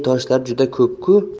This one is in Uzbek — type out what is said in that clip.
toshlar juda ko'p ku